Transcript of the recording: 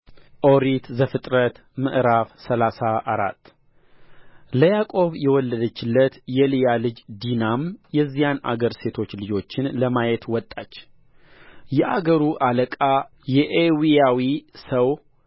ኦሪት ዘፍጥረት ምዕራፍ ሰላሳ አራት ለያዕቆብ የወለደችለት የልያ ልጅ ዲናም የዚያን አገር ሴቶች ልጆችን ለማየት ወጣች የአገሩ አለቃ የኤዊያዊ ሰው